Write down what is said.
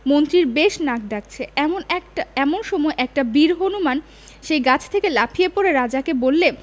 মন্ত্রীর বেশ নাক ডাকছে এমন একটা এমন সময় একটা বীর হনুমান সেই গাছ থেকে লাফিয়ে পড়ে রাজাকে বললে